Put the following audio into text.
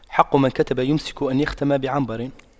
حق من كتب بمسك أن يختم بعنبر